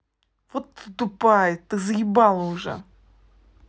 вот ты тупая ты заебала уже